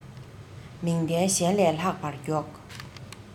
མིག ལྡན གཞན ལས ལྷག པར མགྱོགས